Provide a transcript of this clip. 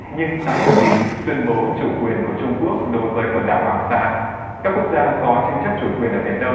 nhưng tái khẳng định tuyên bố chủ quyền của trung quốc đối với quần đảo hoàng sa các quốc gia có tranh chấp chủ quyền ở biển đông